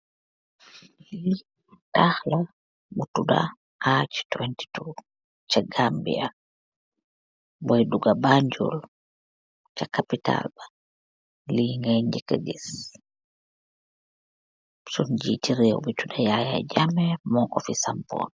arch 22 bu nehka ce birr Banjul.